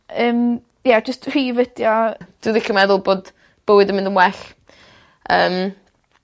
yym ia jyst rhif ydi o. Dwi licio meddwl bod bywyd yn myn' yn well yym.